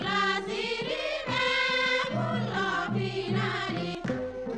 Ilasigi tile kɛ b'ula k'i lain yo